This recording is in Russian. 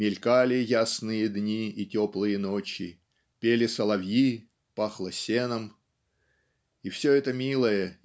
мелькали ясные дни и теплые ночи пели соловьи пахло сеном и все это милое